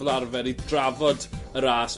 ...fel arfer i drafod y ras...